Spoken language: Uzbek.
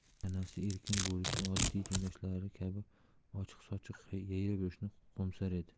yosh tanasi erkin bo'lishni oddiy tengdoshlari kabi ochiqsochiq yayrab yurishni qo'msar edi